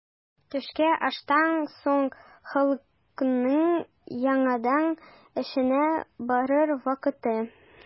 Төшке аштан соң халыкның яңадан эшенә барыр вакыты.